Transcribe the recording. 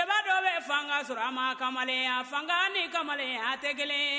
Sɛbɛn dɔ bɛ fanga sɔrɔ a ma kamalenya fanga ni kamalen tɛ kelen